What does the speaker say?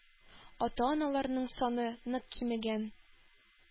Ата-аналарның саны нык кимегән: